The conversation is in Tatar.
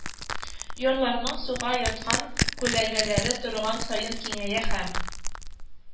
Ярларның суга яткан күләгәләре торган саен киңәя һәм